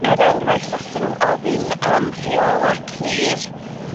Er enghraiff allan n'w ofyn am rheola' clir